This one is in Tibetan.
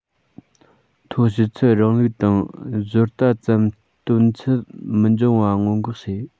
ཐོག ཕྱི ཚུལ རིང ལུགས དང བཟོ ལྟ ཙམ སྟོན ཚུལ མི འབྱུང བ སྔོན འགོག བྱས